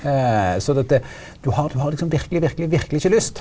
så det at du har du har liksom verkeleg verkeleg verkeleg ikkje lyst.